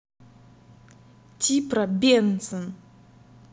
тибра бенсон